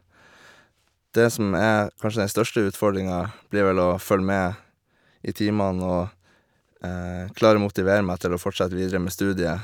Det som er kanskje den største utfordringa, blir vel å følge med i timene og klare å motivere meg til å fortsette videre med studiet.